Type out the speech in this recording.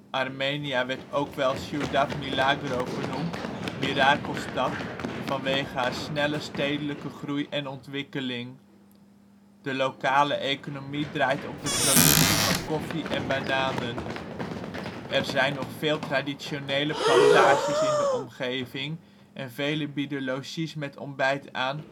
Armenia werd ook " Ciudad Milagro " (mirakelstad) genoemd, vanwege haar snelle stedelijke groei en ontwikkeling. De lokale economie draait op de productie van koffie en bananen. Er zijn zijn nog veel traditionele plantages in de omgeving en velen bieden logies met ontbijt aan